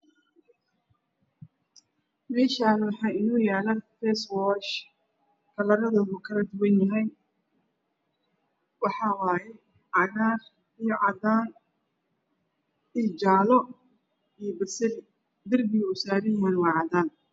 Meeshaan waxaa inoo yaala fashwaash kalarkoodu uu kala duwan yihiin cagaar iyo cadaan, jaalo iyo basali. Darbiguna waa cadeys.